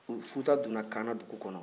futa donna kaana dugu kɔnɔ